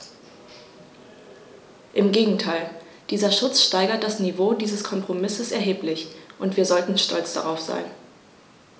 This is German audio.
Im Gegenteil: Dieser Schutz steigert das Niveau dieses Kompromisses erheblich, und wir sollten stolz darauf sein.